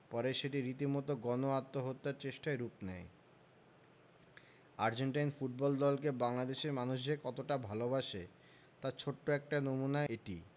পরে সেটি রীতিমতো গণ আত্মহত্যার চেষ্টায় রূপ নেয় আর্জেন্টাইন ফুটবল দলকে বাংলাদেশের মানুষ যে কতটা ভালোবাসে তার ছোট্ট একটা নমুনা এটি